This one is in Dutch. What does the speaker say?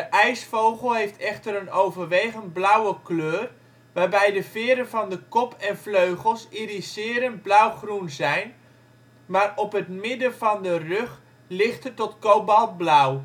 ijsvogel heeft echter een overwegend blauwe kleur, waarbij de veren van de kop en vleugels iriserend blauwgroen zijn maar op het midden van de rug lichter tot kobaltblauw. De